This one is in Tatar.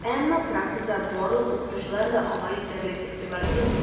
Әмма практикада барлык укытучылар да аңа җитәрлек игътибар бирми: